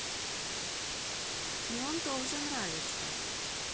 мне он тоже нравится